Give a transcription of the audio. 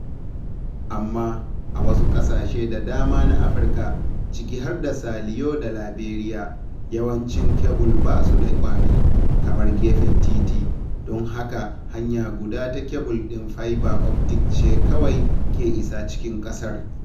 Amma, a wasu ƙasashe da dama na Afirka — ciki har da Saliyo da Laberiya — yawancin kebul ba su da ƙwari (kamar gefen titi), don haka hanya guda ta kebul ɗin fiber optic ce kawai ke isa cikin ƙasar.